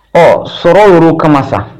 Ɔ sɔrɔ yoro kama sa